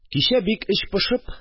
Кичә, бик эч пошып